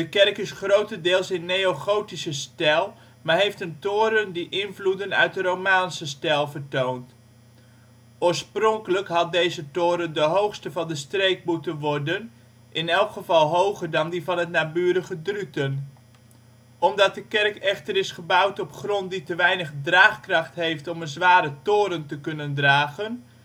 kerk is grotendeels in neogotische stijl maar heeft een toren die invloeden uit de romaanse stijl vertoont. Oorspronkelijk had deze toren de hoogste van de streek moeten worden, in elk geval hoger dan die van het naburige Druten. Omdat de kerk echter is gebouwd op grond die te weinig draagkracht heeft om een zware toren te kunnen dragen